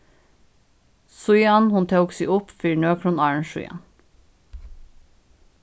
síðan hon tók seg upp fyri nøkrum árum síðan